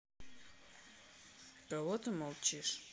кого ты молчишь